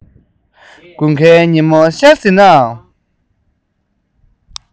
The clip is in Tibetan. དགུན ཁའི ཉི མ ཤར ཟིན ནའང